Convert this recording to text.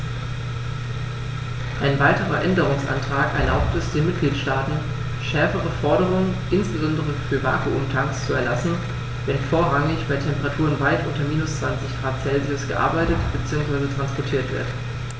Ein weiterer Änderungsantrag erlaubt es den Mitgliedstaaten, schärfere Forderungen, insbesondere für Vakuumtanks, zu erlassen, wenn vorrangig bei Temperaturen weit unter minus 20º C gearbeitet bzw. transportiert wird.